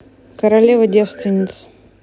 королева девственниц